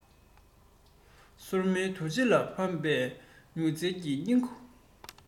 སོར མོའི འདུ བྱེད ལ ཕབ པའི སྒྱུ རྩལ གྱི ཉིང ཁུ